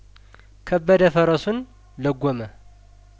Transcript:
ከበደ ፈረሱን ለጐመ